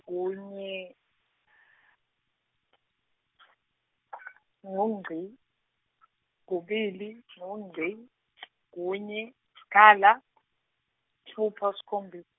kunye , ngu ngci , kubili, ngu ngci, kunye, sikhala, sitfupha, sikhombi-.